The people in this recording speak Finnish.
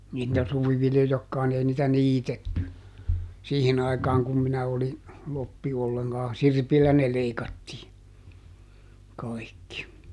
niitä suviviljojakaan niin ei niitä niitetty siihen aikaan kun minä olin kloppi ollenkaan sirpillä ne leikattiin kaikki